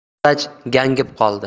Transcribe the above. vrach gangib qoldi